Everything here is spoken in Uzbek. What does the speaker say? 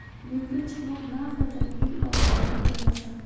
yo'lga chiqmoq na hojat yo'l ozig'ing bo'lmasa